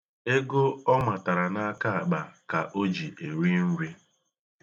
Ego ọ matara n'akaakpa ka o ji eri nri.